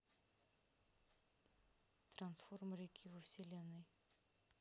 transform реки во вселенной